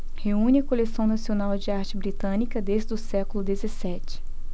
reúne a coleção nacional de arte britânica desde o século dezessete